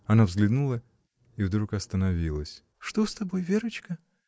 Она взглянула и вдруг остановилась. — Что с тобой, Верочка?